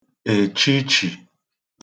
èchichì